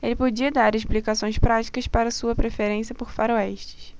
ele podia dar explicações práticas para sua preferência por faroestes